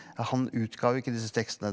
han utga jo ikke disse tekstene.